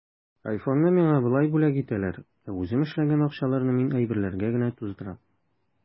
Айфонны миңа болай бүләк итәләр, ә үзем эшләгән акчаларны мин әйберләргә генә туздырам.